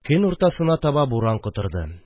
Көн уртасына таба буран котырды